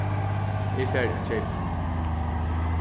eg fari at keypa